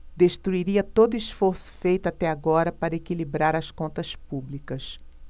destruiria todo esforço feito até agora para equilibrar as contas públicas